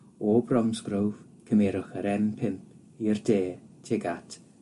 O Bromsgrove cymerwch yr em pump i'r de tuag at